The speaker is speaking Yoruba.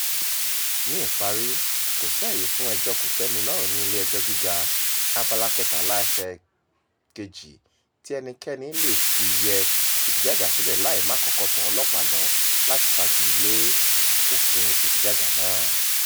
Ní ìparí, “kò sí àyè fún ẹjọ́ọ kò tèmi lọ́rùn ní Ilé-ẹjọ́ Gíga” [Abala 13(2)] tí eẹnikẹ́ni lè fi yẹ ìdígàgá sílẹ̀ láì máà kọ́kọ́ tọ ọlọ́pàá lọ láti fagilé òfin ìdígàgá náà.